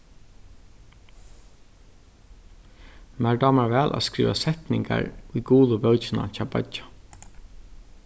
mær dámar væl at skriva setningar í gulu bókina hjá beiggja